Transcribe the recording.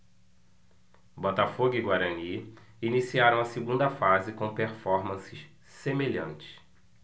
botafogo e guarani iniciaram a segunda fase com performances semelhantes